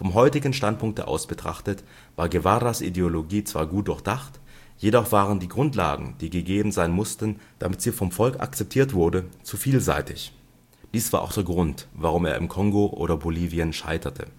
heutigen Standpunkte aus betrachtet, war Guevaras Ideologie zwar gut durchdacht, jedoch waren die Grundlagen, die gegeben sein mussten, damit sie vom Volk akzeptiert wurde, zu vielseitig. Dies war auch der Grund, warum er im Kongo oder Bolivien scheiterte